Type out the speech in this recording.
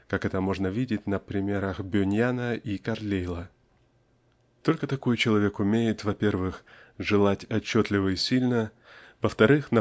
как это можно видеть на примерах БЁниана и Карлейля. Только такой человек умеет во-первых желать отчетливо и сильно во-вторых